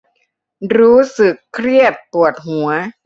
รู้สึกเครียดปวดหัว